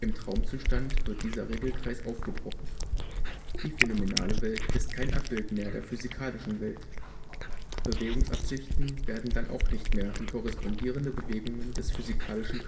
Traumzustand wird dieser Regelkreis aufgebrochen. Die phänomenale Welt ist kein Abbild mehr der physikalischen Welt. Bewegungsabsichten werden dann auch nicht mehr in korrespondierende Bewegungen des physikalischen